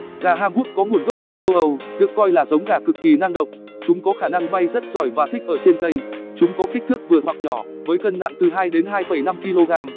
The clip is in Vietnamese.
gà hamburg có nguồn gốc từ châu âu được coi là giống gà cực kỳ năng động chúng có khả năng bay rất giỏi và thích ở trên cây chúng có kích thước vừa hoặc nhỏ với cân nặng từ kg